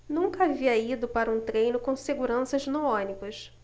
nunca havia ido para um treino com seguranças no ônibus